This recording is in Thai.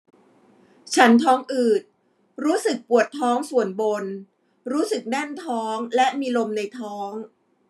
ฉันท้องอืดรู้สึกปวดท้องส่วนบนรู้สึกแน่นท้องและมีลมในท้อง